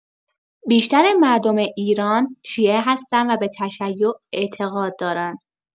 بیشتر مردم ایران شیعه هستند و به تشیع اعتقاد دارند.